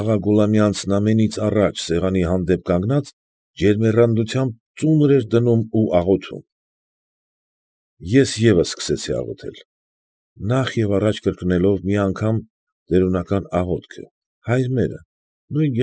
Աղա Գուլամյանցն ամենից առաջ սեղանի հանդեպ կանգնած ջերմեռանդությամբ ծունր էր դնում ու աղոթում. Ես ևս սկսեցի աղոթել, նախ և առաջ կրկնելով մի անգամ տերունական աղոթքը, «Հայր մերը», նույն։